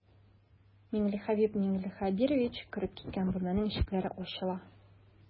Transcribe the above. Миңлехәбиб миңлехәбирович кереп киткән бүлмәнең ишекләре ачыла.